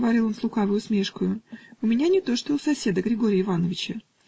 -- говорил он с лукавой усмешкою, -- у меня не то, что у соседа Григорья Ивановича.